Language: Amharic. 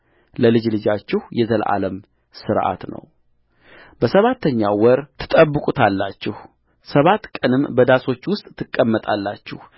ለልጅ ልጃችሁ የዘላለም ሥርዓት ነው በሰባተኛው ወር ትጠብቁታላችሁሰባት ቀን በዳሶች ውስጥ ትቀመጣላችሁ